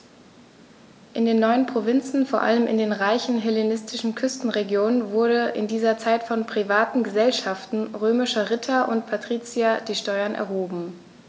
In den neuen Provinzen, vor allem in den reichen hellenistischen Küstenregionen, wurden in dieser Zeit von privaten „Gesellschaften“ römischer Ritter und Patrizier die Steuern erhoben.